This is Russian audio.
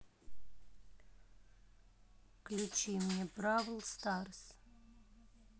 включи мне бравл старс